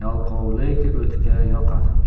yalqovlik o'tga yoqar